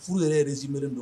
Furu yɛrɛ resumé len _don